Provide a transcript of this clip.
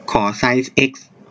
ขอไซส์เอ็กซ์